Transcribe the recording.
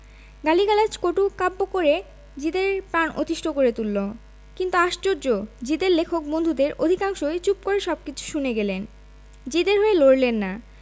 গালিগালাজ কটুকাটব্য করে জিদে র প্রাণ অতিষ্ঠ করে তুলল কিন্তু আশ্চর্য জিদে র লেখক বন্ধুদের অধিকাংশই চুপ করে সবকিছু শুনে গেলেন জিদে র হয়ে লড়লেন না